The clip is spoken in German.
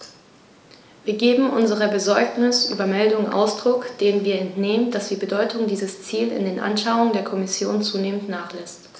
Wir geben unserer Besorgnis über Meldungen Ausdruck, denen wir entnehmen, dass die Bedeutung dieses Ziels in den Anschauungen der Kommission zunehmend nachlässt.